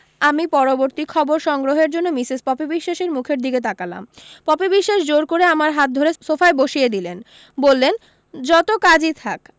আমি পরবর্তী খবর সংগ্রহের জন্য মিসেস পপি বিশ্বাসের মুখের দিকে তাকালাম পপি বিশ্বাস জোর করে আমার হাত ধরে সোফায় বসিয়ে দিলেন বললেন যত কাজি থাক